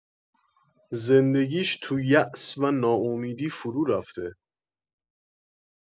زندگیش تو یاس و ناامیدی فرورفته